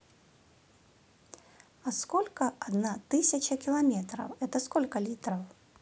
а сколько одна тысяча километров это сколько литров